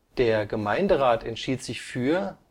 Der Gemeinderat entschied sich für